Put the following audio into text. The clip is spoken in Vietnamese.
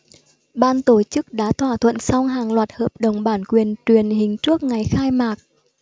ban tổ chức đã thỏa thuận xong hàng loạt hợp đồng bản quyền truyền hình trước ngày khai mạc